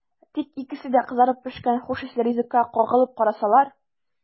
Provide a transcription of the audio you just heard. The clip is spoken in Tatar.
Тик икесе дә кызарып пешкән хуш исле ризыкка кагылып карасалар!